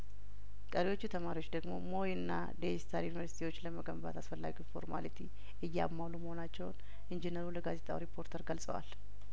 ቀሪዎቹ ተማሪዎች ደግሞ ሞይእና ዴይስታር ዩኒቨርስቲዎች ለመገንባት አስፈላጊውን ፎርማሊቲ እያሟሉ መሆናቸውን ኢንጂነሩ ለጋዜጣው ሪፖርተር ገልጸዋል